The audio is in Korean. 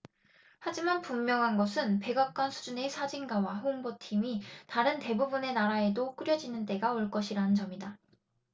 하지만 분명한 것은 백악관 수준의 사진가와 홍보팀이 다른 대부분의 나라에도 꾸려지는 때가 올 것이라는 점이다